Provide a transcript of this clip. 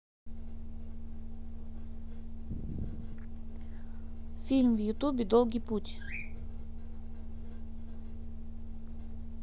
фильм в ютубе долгий путь